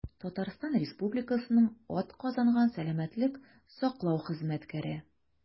«татарстан республикасының атказанган сәламәтлек саклау хезмәткәре»